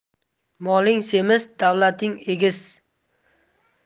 moling semiz davlating egiz